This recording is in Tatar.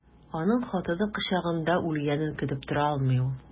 Аның хатыны кочагында үлгәнен көтеп тора алмый ул.